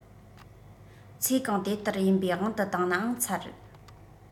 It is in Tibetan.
ཚེ གང དེ ལྟར ཡིན པའི དབང དུ བཏང ནའང ཚར